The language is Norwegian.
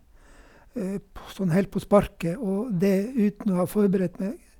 på Sånn helt på sparket, og det uten å ha forberedt meg.